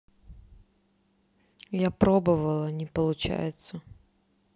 я пробовала не получается